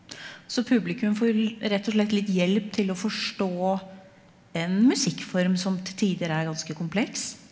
så publikum får rett og slett litt hjelp til å forstå en musikkform som til tider er ganske kompleks.